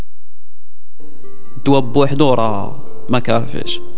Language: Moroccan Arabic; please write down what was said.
توضح دوره مكافحه